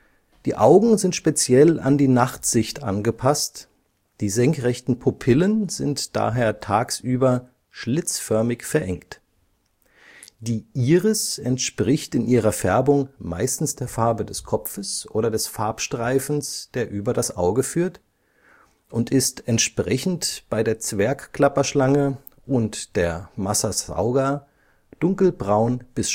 Die Augen sind speziell an die Nachtsicht angepasst, die senkrechten Pupillen sind daher tagsüber schlitzförmig verengt. Die Iris entspricht in ihrer Färbung meistens der Farbe des Kopfes oder des Farbstreifens, der über das Auge führt, und ist entsprechend bei der Zwergklapperschlange und der Massassauga dunkelbraun bis